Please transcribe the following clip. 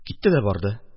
Китте дә барды.